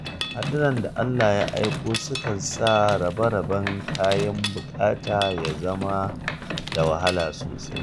Haɗuran da Allah ya aiko sukan sa rabe-raben kayan buƙata ya zama da wahala sosai.